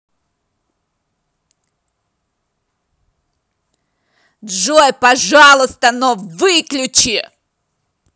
джой пожалуйста но выключи